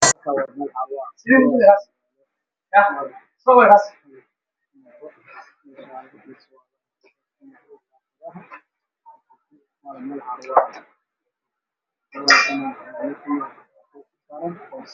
Waa meel carwo ah waxaa saran dhar ilmo oo darbiga furan oo nashaati ee jaakaad yaryar ah